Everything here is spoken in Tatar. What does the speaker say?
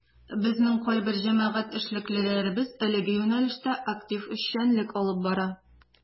Безнең кайбер җәмәгать эшлеклеләребез әлеге юнәлештә актив эшчәнлек алып бара.